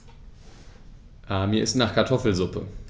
Mir ist nach Kartoffelsuppe.